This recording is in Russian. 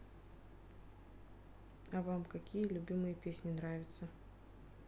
а вам какие любимые песни нравятся